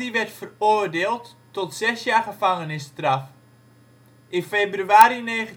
werd veroordeeld tot zes jaar gevangenisstraf. In februari 1924